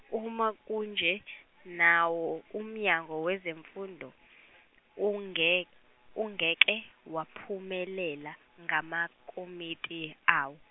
uma kunje nawo uMnyango wezeMfundo unge- ungeke waphumelela ngamakomiti awo.